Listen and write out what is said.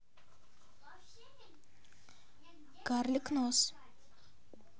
карлик нос